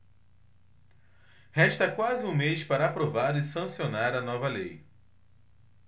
resta quase um mês para aprovar e sancionar a nova lei